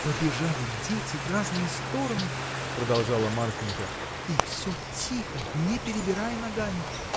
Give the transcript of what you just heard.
— Побежали дети в разные стороны, — продолжала Марфинька, — и всё тихо, не перебирая ногами.